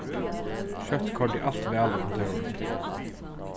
skjótt koyrdi alt væl á kontórinum